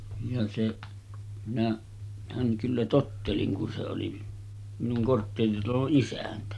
ja se - minähän kyllä tottelin kun se oli minun kortteeritalon isäntä